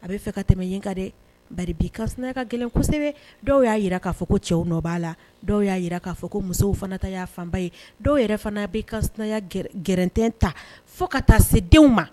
A bɛa fɛ ka tɛmɛ yenka dɛ i ka gɛlɛn kosɛbɛ dɔw y'a jira k'a fɔ ko cɛw a la dɔw y'a jira k'a fɔ ko musow fana ta y'a fanba ye dɔw yɛrɛ fana a bɛ ka gɛrɛɛn ta fo ka taa sedenw ma